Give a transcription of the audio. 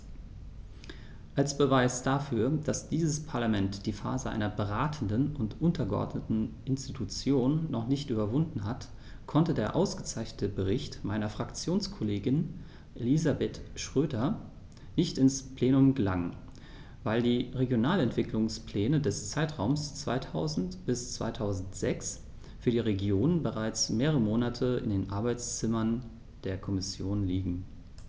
Als Beweis dafür, dass dieses Parlament die Phase einer beratenden und untergeordneten Institution noch nicht überwunden hat, konnte der ausgezeichnete Bericht meiner Fraktionskollegin Elisabeth Schroedter nicht ins Plenum gelangen, weil die Regionalentwicklungspläne des Zeitraums 2000-2006 für die Regionen bereits mehrere Monate in den Arbeitszimmern der Kommission liegen.